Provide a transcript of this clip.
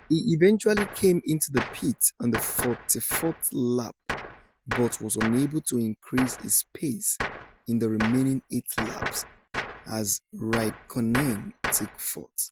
He eventually came into the pits on the 44th lap but was unable to increase his pace in the remaining eight laps as Raikkonen took fourth.